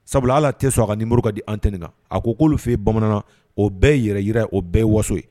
Sabula ala tɛ sɔn a ka niuru ka di an tɛ nin a ko k'olu fɛ yen bamanan o bɛɛ yɛrɛy o bɛɛ waso ye